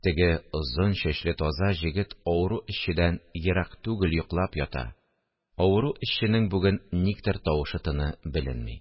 Теге озын чәчле таза җегет авыру эшчедән ерак түгел йоклап ята, авыру эшченең бүген никтер тавыш-тыны беленми